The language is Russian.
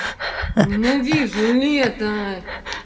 ненавижу лето